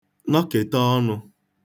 nọkète ọnụ̄